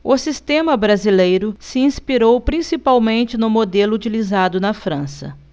o sistema brasileiro se inspirou principalmente no modelo utilizado na frança